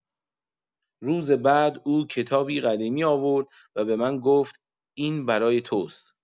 روز بعد او کتابی قدیمی آورد و به من گفت این برای توست.